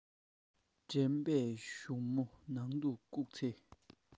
དྲན པའི གཞུ མོ ནང དུ བཀུག ཚེ